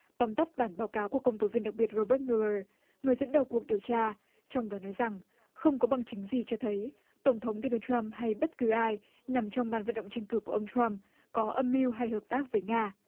tóm tắt bản báo cáo của công tố viên đặc biệt rô bớt miu lờ người dẫn đầu cuộc điều tra trong đó nói rằng không có bằng chứng gì cho thấy tổng thống đô nơ trăm hay bất cứ ai nằm trong ban vận động tranh cử của ông trăm có âm mưu hay hợp tác với nga